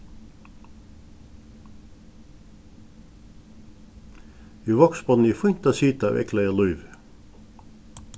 í vágsbotni er fínt at sita og eygleiða lívið